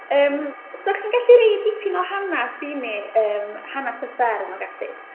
Yym, 'sech chi'n gallu rhoi dipyn o hanes i ni? Yym, hanes y fferm ac ati?